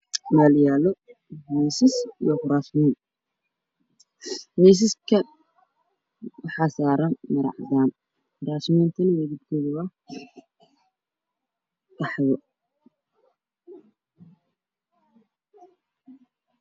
Miisaas meel yaalo miisas ka waxaa saaran marao cadaan ah